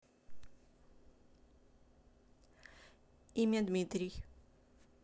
имя дмитрий